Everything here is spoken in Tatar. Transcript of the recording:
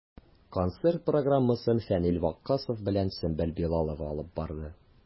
Концерт программасын Фәнил Ваккасов белән Сөмбел Билалова алып барды.